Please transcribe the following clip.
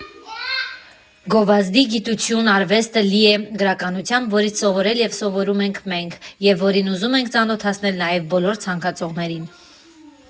«Գովազդի գիտություն֊արվեստը լի է գրականությամբ, որից սովորել և սովորում ենք մենք, և որին ուզում ենք ծանոթացնել նաև բոլոր ցանկացողներին։